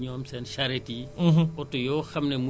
mën nañu ne sax boobu vraiment moo gën a yomb